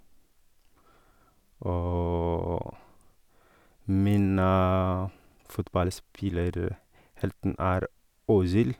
Og min fotballspillerhelten er Özil.